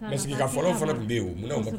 I ka fɔlɔw fana tun bɛ yen